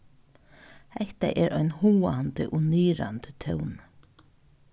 hetta er ein háðandi og niðrandi tóni